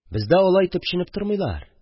Бездә алай төпченеп тормыйлар.